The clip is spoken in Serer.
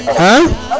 a